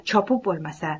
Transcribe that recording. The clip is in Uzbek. chopib bo'lmasa